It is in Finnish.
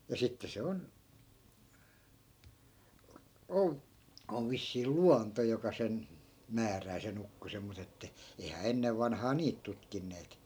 ja sitten se on - on vissiin luonto joka sen määrää sen ukkosen mutta että eihän ennen vanhaan niitä tutkineet